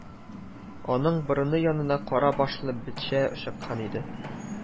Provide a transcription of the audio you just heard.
Аның борыны янына кара башлы бетчә чыккан иде